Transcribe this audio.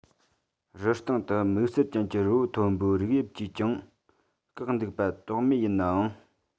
རི སྟེང དུ དམིགས བསལ ཅན གྱི རི བོ མཐོན པོའི རིགས དབྱིབས ཀྱིས ཅིས ཀྱང བཀང འདུག པ དོགས མེད ཡིན ནའང